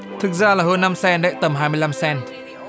thực ra là hơn năm xen tầm hai năm xen